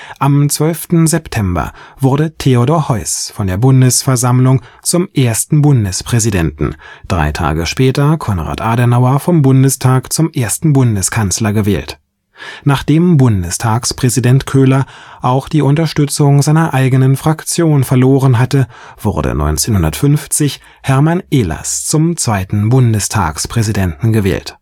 Am 12. September wurde Theodor Heuss von der Bundesversammlung zum ersten Bundespräsidenten, drei Tage später Konrad Adenauer vom Bundestag zum ersten Bundeskanzler gewählt. Nachdem Bundestagspräsident Köhler auch die Unterstützung seiner eigenen Fraktion verloren hatte, wurde 1950 Hermann Ehlers zum zweiten Bundestagspräsidenten gewählt